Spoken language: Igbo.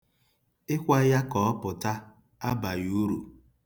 Ịkwa ya ka ọ pụta abaghị uru.